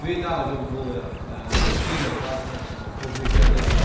dwi dal i gal fy bwlio yy gynna plant actually pan dwi'n cerddad adra.